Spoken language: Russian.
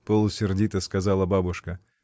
— полусердито сказала бабушка.